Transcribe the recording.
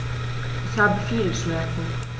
Ich habe viele Schmerzen.